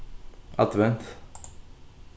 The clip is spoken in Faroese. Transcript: advent